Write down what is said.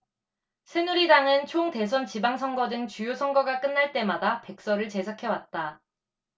새누리당은 총 대선 지방선거 등 주요 선거가 끝날 때마다 백서를 제작해왔다